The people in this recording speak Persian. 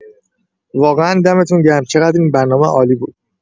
واقعا دمتون گرم چقدر این برنامه عالی بود.